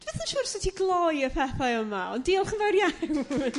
Dwi byth yn siwr sut i gloi y pethau yma ond diolch yn fawr iawn .